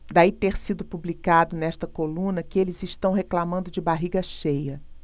daí ter sido publicado nesta coluna que eles reclamando de barriga cheia